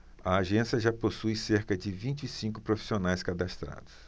a agência já possui cerca de vinte e cinco profissionais cadastrados